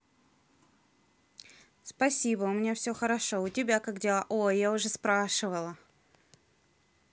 спасибо у меня все хорошо у тебя как дела ой я уже спрашивала